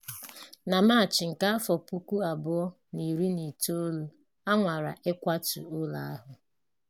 Na Maachị nke 2019, a nwara ịkwatu ụlọ ahụ.